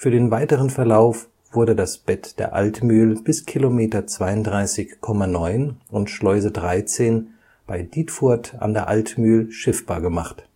den weiteren Verlauf wurde das Bett der Altmühl bis km 32,9 und Schleuse 13 bei Dietfurt an der Altmühl schiffbar gemacht